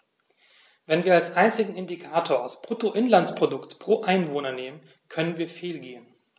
Wenn wir als einzigen Indikator das Bruttoinlandsprodukt pro Einwohner nehmen, können wir fehlgehen.